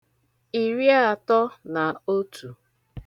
ìriàtọ nà otù